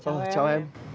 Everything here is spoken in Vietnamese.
chào hai em